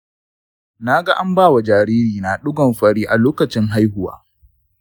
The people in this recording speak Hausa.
na ga an ba wa jaririna ɗigon fari a lokacin haihuwa.